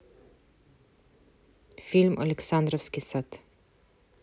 фильм александровский сад